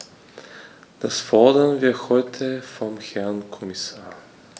Das fordern wir heute vom Herrn Kommissar.